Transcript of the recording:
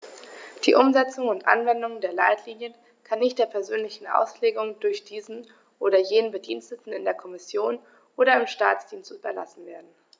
Die Umsetzung und Anwendung der Leitlinien kann nicht der persönlichen Auslegung durch diesen oder jenen Bediensteten in der Kommission oder im Staatsdienst überlassen werden.